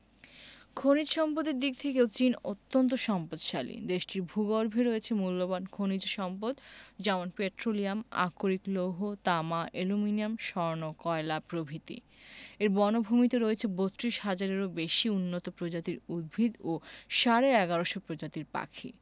খনিজ সম্পদের দিক থেকেও চীন অত্যান্ত সম্পদশালী দেশটির ভূগর্ভে রয়েছে মুল্যবান খনিজ সম্পদ যেমন পেট্রোলিয়াম আকরিক লৌহ তামা অ্যালুমিনিয়াম স্বর্ণ কয়লা প্রভৃতি এর বনভূমিতে রয়েছে ৩২ হাজারেরও বেশি উন্নত প্রজাতির উদ্ভিত ও সাড়ে ১১শ প্রজাতির পাখি